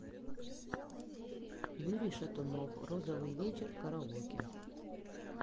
юрий шатунов розовый вечер караоке